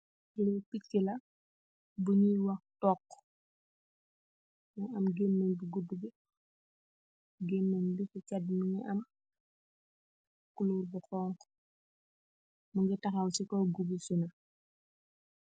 Li pichi laa, bunyewaa tokku, mu am gemmeng bu gudubi, gemmech bi ce chatt bi muggui am kulor bu kongkhu mugy tahaw ce gaw gubisina.